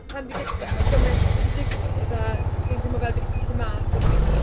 Pan fi gytre ma' gymaint wedi digwydd, a fi'n teimlo fel fi 'di colli mas arno fe gyd.